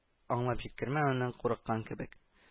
Аңлап җиткермәвеннән курыккан кебек